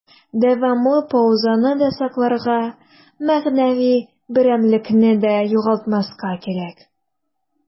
Дәвамлы паузаны да сакларга, мәгънәви берәмлекне дә югалтмаска кирәк.